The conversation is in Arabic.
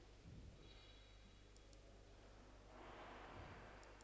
الشرط نور